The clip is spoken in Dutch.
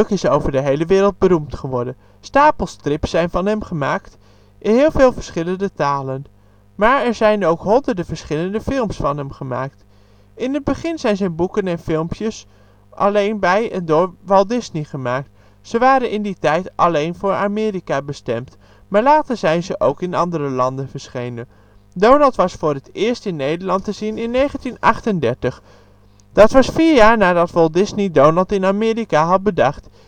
is over de hele wereld beroemd geworden. Stapels strips zijn van hem gemaakt, in heel veel verschillende talen. Maar er zijn ook honderden verschillende films van hem gemaakt. In het begin zijn de boekjes en filmpjes alleen bij en door Walt Disney gemaakt. Ze waren in die tijd alleen voor Amerika bestemd. Maar later zijn ze ook in andere landen verschenen. Donald was voor het eerst in Nederland te zien in 1938. Dat was vier jaar nadat Walt Disney Donald in Amerika had bedacht